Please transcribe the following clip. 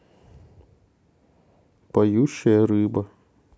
поющая рыба